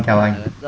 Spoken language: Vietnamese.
chào anh